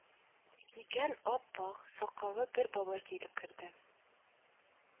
Кигән ап-ак сакаллы бер бабай килеп керде